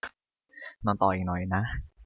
นอนต่ออีกหน่อยนะ